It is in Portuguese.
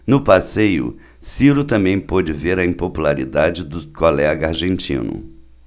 no passeio ciro também pôde ver a impopularidade do colega argentino